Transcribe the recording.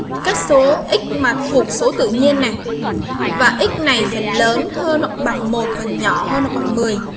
các số x mạch hộp số tự nhiên là và x này phần lớn hơn hoặc bằng và nhỏ hơn phần